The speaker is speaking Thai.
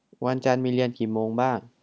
วันจันทร์มีเรียนกี่โมงบ้าง